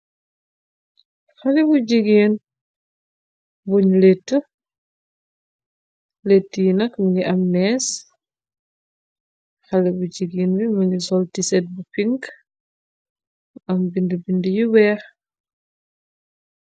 xale bu jigeen bu ñu lett, lett yi nak mingi am mees , xale bu jigeen bi mingi sol tiset bu pink am bind bind yu weex.